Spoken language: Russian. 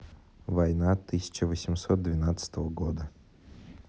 война тысяча восемьсот двенадцатого года